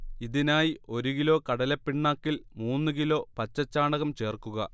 ഇതിനായി ഒരു കിലോ കടലപ്പിണ്ണാക്കിൽ മൂന്ന് കിലോ പച്ചച്ചാണകം ചേർക്കുക